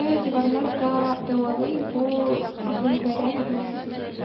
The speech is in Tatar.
Өйдә диварлар да дәвалый - бу гыйбарә мәгънәсез түгел.